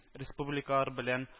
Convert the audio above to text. Республикалар белән